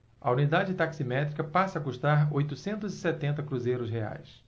a unidade taximétrica passa a custar oitocentos e setenta cruzeiros reais